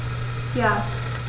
Ja.